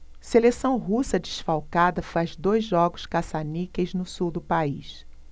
seleção russa desfalcada faz dois jogos caça-níqueis no sul do país